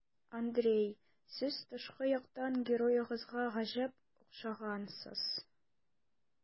Андрей, сез тышкы яктан героегызга гаҗәп охшагансыз.